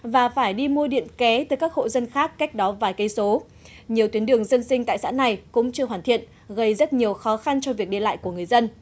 và phải đi mua điện ké từ các hộ dân khác cách đó vài cây số nhiều tuyến đường dân sinh tại xã này cũng chưa hoàn thiện gây rất nhiều khó khăn cho việc đi lại của người dân